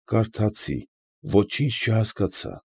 Կարդացի, ոչինչ չհասկացա։